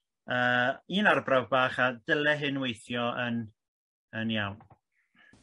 yy un arbrawf bach a dyle hyn weithio yn yn iawn.